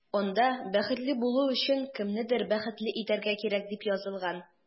Анда “Бәхетле булу өчен кемнедер бәхетле итәргә кирәк”, дип язылган.